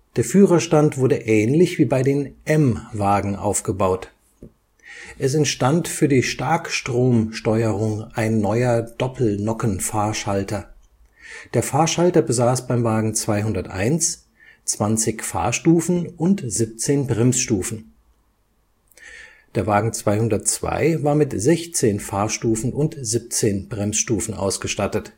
Der Führerstand wurde ähnlich wie bei den M-Wagen aufgebaut. Es entstand für die Starkstromsteuerung ein neuer Doppelnockenfahrschalter. Der Fahrschalter besaß beim Wagen 201 20 Fahr - und 17 Bremsstufen. Der Wagen 202 war mit 16 Fahr - und 17 Bremsstufen ausgestattet